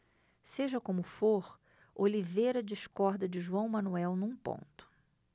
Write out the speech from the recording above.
seja como for oliveira discorda de joão manuel num ponto